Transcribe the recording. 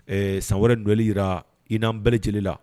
Ɛɛ san wɛrɛli jirara i n'an bɛɛ lajɛlen la